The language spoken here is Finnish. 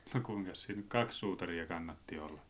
no kuinkas siinä nyt kaksi suutaria kannatti olla